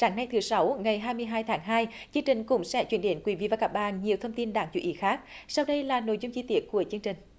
sáng nay thứ sáu ngày hai mươi hai tháng hai chương trình cũng sẽ chuyển đến quý vị và các bạn nhiều thông tin đáng chú ý khác sau đây là nội dung chi tiết của chương trình